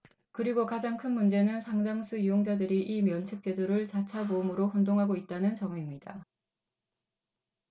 그리고 가장 큰 문제는 상당수 이용자들이 이 면책제도를 자차보험으로 혼동하고 있다는 점입니다